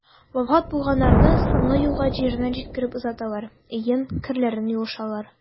Вафат булганнарны соңгы юлга җиренә җиткереп озаталар, өен, керләрен юышалар.